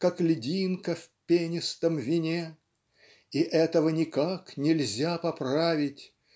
как льдинка в пенистом вине И этого никак нельзя поправить